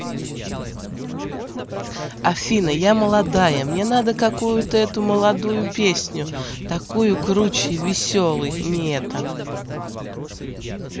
афина я молодая мне надо какую то это эту молодую песню такую круче веселый не это